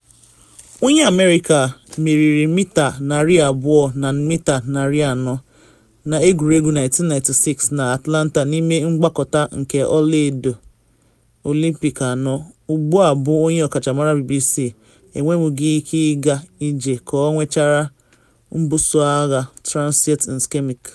Onye America, meriri mita 200 na mita 400 na Egwuregwu 1996 na Atlanta n’ime mgbakọta nke ọla-edo Olympic ano ya, ugbu a bụ onye ọkachamara BBC, enwenwughi ike ịga ije ka ọ nwechara mbuso agha transient ischemic.